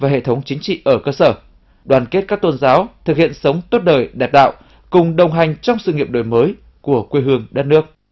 và hệ thống chính trị ở cơ sở đoàn kết các tôn giáo thực hiện sống tốt đời đẹp đạo cùng đồng hành trong sự nghiệp đổi mới của quê hương đất nước